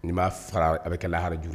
N b'a fara a bɛ kɛhaj